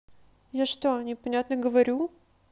я что то непонятно говорю